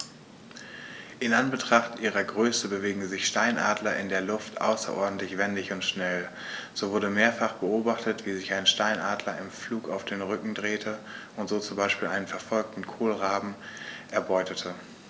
In Anbetracht ihrer Größe bewegen sich Steinadler in der Luft außerordentlich wendig und schnell, so wurde mehrfach beobachtet, wie sich ein Steinadler im Flug auf den Rücken drehte und so zum Beispiel einen verfolgenden Kolkraben erbeutete.